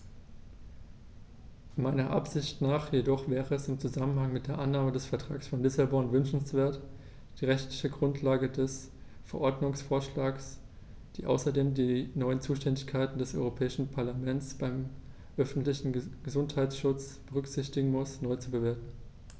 Meiner Ansicht nach jedoch wäre es im Zusammenhang mit der Annahme des Vertrags von Lissabon wünschenswert, die rechtliche Grundlage des Verordnungsvorschlags, die außerdem die neuen Zuständigkeiten des Europäischen Parlaments beim öffentlichen Gesundheitsschutz berücksichtigen muss, neu zu bewerten.